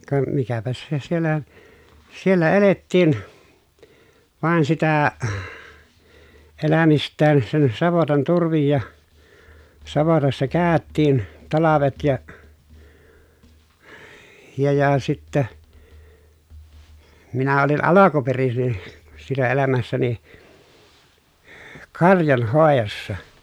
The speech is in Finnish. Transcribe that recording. ka mikäpäs se siellä siellä elettiin vain sitä elämistään sen savotan turvin ja savotassa käytiin talvet ja ja ja sitten minä olin alkuperin siinä elämässäni karjanhoidossa